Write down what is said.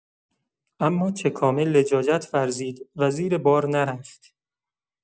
اما چکامه لجاجت ورزید و زیر بار نرفت.